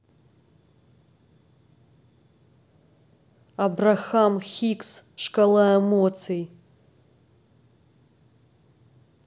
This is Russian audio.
абрахам хикс шкала эмоций